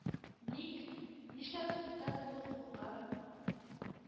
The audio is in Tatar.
Ник? Нишләп депутат булу хокукы